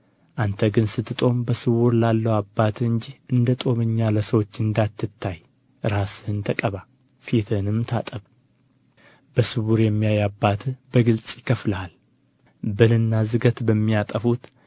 አንተ ግን ስትጦም በስውር ላለው አባትህ እንጂ እንደ ጦመኛ ለሰዎች እንዳትታይ ራስህን ተቀባ ፊትህንም ታጠብ በስውር የሚያይ አባትህም በግልጥ ይከፍልሃል ብልና ዝገት በሚያጠፉት